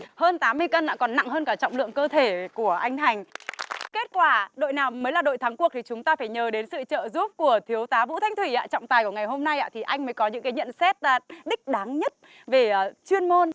hơn tám mươi cân ạ còn nặng hơn cả trọng lượng cơ thể của anh thành kết quả đội nào mới là đội thắng cuộc thì chúng ta phải nhờ đến sự trợ giúp của thiếu tá vũ thanh thủy ạ trọng tài của ngày hôm nay ạ thì anh mới có những cái nhận xét ơ đích đáng nhất về ờ chuyên môn